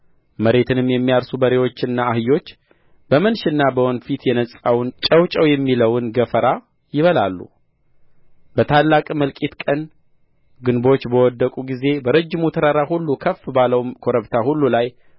መሬትንም የሚያርሱ በሬዎችና አህዮች በመንሽና በወንፊት የነጻውን ጨው ጨው የሚለውን ገፈራ ይበላሉ በታላቅም እልቂት ቀን ግንቦች በወደቁ ጊዜ በረጅሙ ተራራ ሁሉ ከፍ ባለውም ኮረብታ ሁሉ ላይ